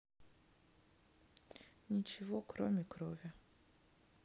ничего кроме крови